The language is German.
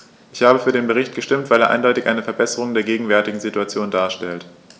Ich habe für den Bericht gestimmt, weil er eindeutig eine Verbesserung der gegenwärtigen Situation darstellt.